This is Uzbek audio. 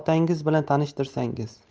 otanggiz bilan tanishtirsangiz